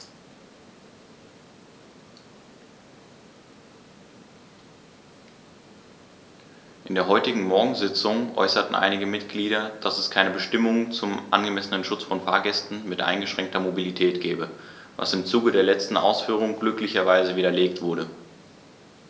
In der heutigen Morgensitzung äußerten einige Mitglieder, dass es keine Bestimmung zum angemessenen Schutz von Fahrgästen mit eingeschränkter Mobilität gebe, was im Zuge der letzten Ausführungen glücklicherweise widerlegt wurde.